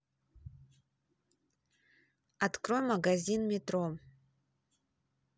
открой магазин метро